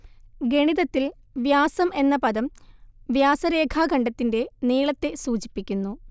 ഗണിതത്തിൽ വ്യാസം എന്ന പദം വ്യാസരേഖാഖണ്ഡത്തിന്റെ നീളത്തെ സൂചിപ്പിക്കുന്നു